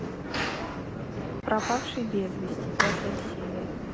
пропавший без вести пятая серия